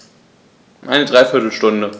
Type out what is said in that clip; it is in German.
Eine dreiviertel Stunde